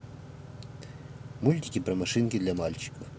мультики про машинки для мальчиков